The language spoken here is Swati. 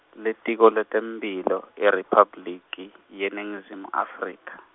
Litiko leTemphilo, IRiphabliki, yeNingizimu Afrika.